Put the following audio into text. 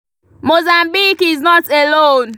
Mozambique is not alone.